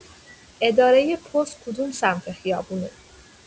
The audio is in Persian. ادارۀ پست کدوم سمت خیابونه؟